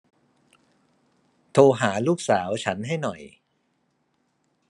โทรหาลูกสาวฉันให้หน่อย